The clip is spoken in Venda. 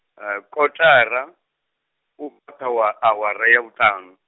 kotara, u kha awara ya vhuṱaṋu.